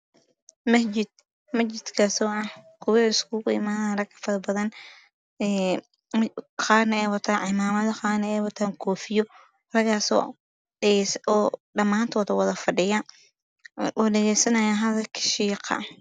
Waa masaajid waxaa joogo niman aada farabadan waxay wataan khamiistii cimaamado gudub